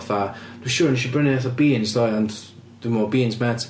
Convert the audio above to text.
Fatha "dwi'n siŵr wnes i brynu fatha beans ddoe, ond dwi'm efo beans mêt".